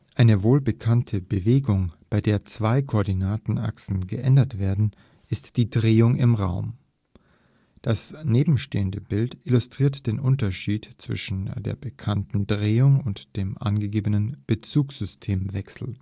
Eine wohlbekannte Bewegung, bei der zwei Koordinatenachsen geändert werden, ist die Drehung im Raum. Das nebenstehende Bild illustriert den Unterschied zwischen der bekannten Drehung und dem angegebenen Bezugssystemwechsel